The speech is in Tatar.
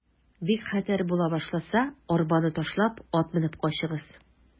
Бик хәтәр була башласа, арбаны ташлап, ат менеп качыгыз.